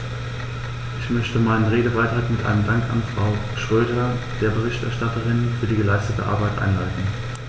Ich möchte meinen Redebeitrag mit einem Dank an Frau Schroedter, der Berichterstatterin, für die geleistete Arbeit einleiten.